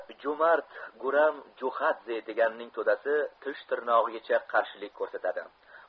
jo'mard guram jo'xadze deganning to'dasi tish timog'igacha qarshilik ko'rsatadi